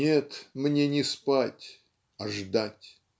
нет, мне не спать, а ждать.